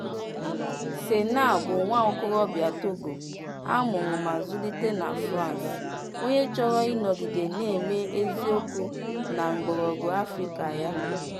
Sena bụ nwa okorobịa Togo, amụrụ ma zụlite na France, onye chọrọ ịnọgide na-eme eziokwu na mgbọrọgwụ Africa ya.